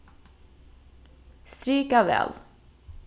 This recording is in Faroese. strika val